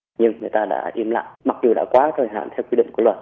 nhưng người ta đã im lặng mặc dù đã quá cái thời hạn theo quy định của luật